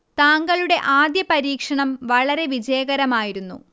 താങ്കളുടെ ആദ്യ പരീക്ഷണം വളരെ വിജയകരമായിരുന്നു